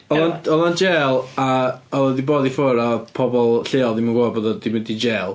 Oedd oedd o'n jêl, a oedd o 'di bod i ffwrdd a pobl lleol ddim yn gwbod bod o 'di mynd i jêl.